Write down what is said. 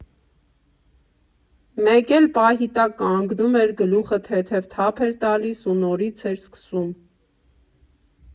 Մեկ էլ պահի տակ կանգնում էր, գլուխը թեթև թափ էր տալիս ու նորից էր սկսում։